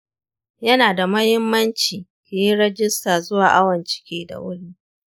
yanada muhimmanci kiyi rijistar zuwa awon ciki da wuri